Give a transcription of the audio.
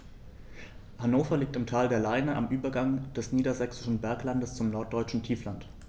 Hannover liegt im Tal der Leine am Übergang des Niedersächsischen Berglands zum Norddeutschen Tiefland.